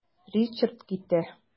Ричард китә.